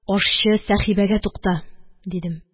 – ашчы сәхибәгә тукта! – дидем.